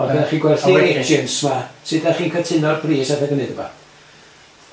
Ond o'dda chi'n gwerthu i'r agents 'ma su dachi'n cytuno ar bris adag hynny tybad?